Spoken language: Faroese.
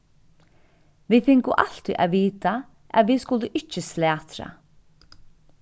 vit fingu altíð at vita at vit skuldu ikki slatra